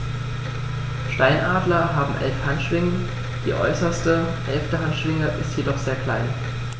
Steinadler haben 11 Handschwingen, die äußerste (11.) Handschwinge ist jedoch sehr klein.